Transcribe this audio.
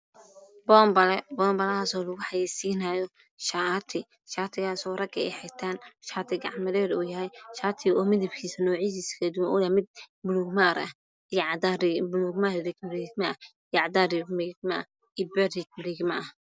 Buunbalo taaso lagu xayaysiinayao mid balug maar ah